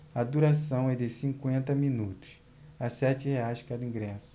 a duração é de cinquenta minutos a sete reais cada ingresso